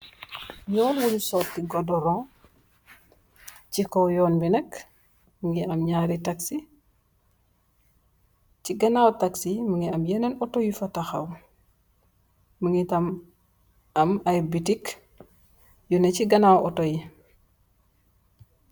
Yoon bunye suti godorong si yoon bi nak mungi am nyarri taxi si ganaw taxi bi mungi am yenen autor yufa takhaw mungi tam am aye boutik yuneh si ganaw autor yi